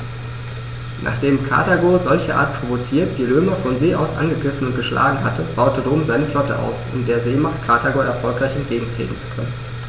Nachdem Karthago, solcherart provoziert, die Römer von See aus angegriffen und geschlagen hatte, baute Rom seine Flotte aus, um der Seemacht Karthago erfolgreich entgegentreten zu können.